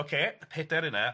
ocê y pedr yna.